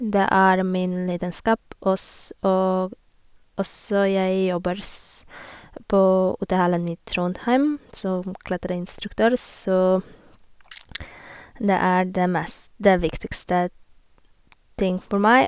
Det er min lidenskap, oss og og så jeg jobber s på UteHallen i Trondheim, som klatreinstruktør, så det er det mest det viktigste ting for meg.